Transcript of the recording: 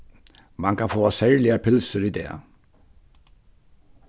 mann kann fáa serligar pylsur í dag